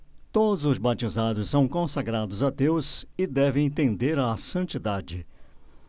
todos os batizados são consagrados a deus e devem tender à santidade